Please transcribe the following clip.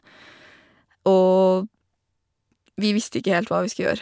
Og vi visste ikke helt hva vi skulle gjøre.